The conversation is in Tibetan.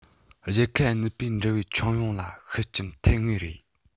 རྒྱལ ཁབ གཉིས པོའི འབྲེལ བའི ཁྱོན ཡོངས ལ ཤུགས རྐྱེན ཐེབས ངེས རེད